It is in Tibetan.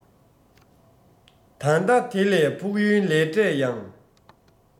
ད ལྟ དེ ལས ཕུགས ཡུལ ལས འབྲས ཡང